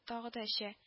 Тагы да эчә